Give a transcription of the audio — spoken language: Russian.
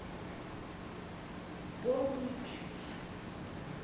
полная чушь